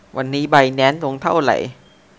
วันนี้ไบแนนซ์ลงเท่าไหร่